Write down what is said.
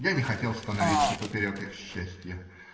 Я не хотел становиться поперек их счастья.